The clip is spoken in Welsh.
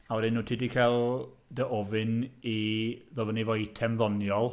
A wedyn wyt ti 'di cael dy ofyn i ddod fyny efo eitem ddoniol...